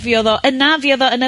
Fuodd o yna, fuodd o yn y